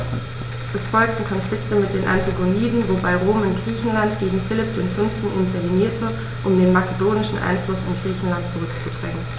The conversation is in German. Es folgten Konflikte mit den Antigoniden, wobei Rom in Griechenland gegen Philipp V. intervenierte, um den makedonischen Einfluss in Griechenland zurückzudrängen.